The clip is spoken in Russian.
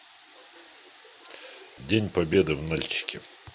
день победы в нальчике